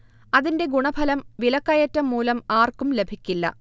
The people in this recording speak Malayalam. അതിന്റെ ഗുണഫലം വിലക്കയറ്റം മൂലം ആർക്കും ലഭിക്കില്ല